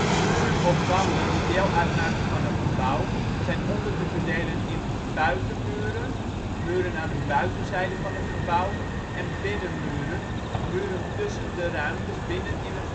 Muren of wanden die deel uitmaken van een gebouw zijn onder te verdelen in: buitenmuren: muren aan de buitenzijde van het gebouw; binnenmuren: muren tussen de ruimtes binnen in een